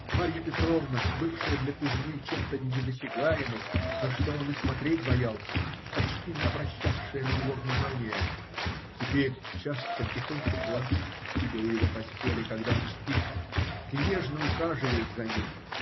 Марья Петровна, бывшая для Кузьмы чем-то недосягаемым, на что он и смотреть боялся, почти не обращавшая на него внимания, теперь часто тихонько плачет, сидя у его постели, когда он спит, и нежно ухаживает за ним